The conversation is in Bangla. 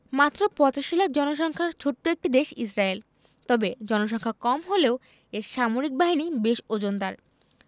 মাত্র ৮৫ লাখ জনসংখ্যার ছোট্ট একটি দেশ ইসরায়েল তবে জনসংখ্যা কম হলেও এর সামরিক বাহিনী বেশ ওজনদার